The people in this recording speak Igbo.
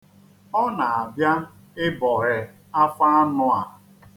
Ọ na-abịa ịbọhe afọ anụ a.